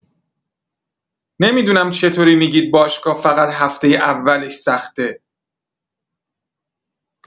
نمی‌دونم چطوری می‌گید باشگاه فقط هفته اولش سخته؟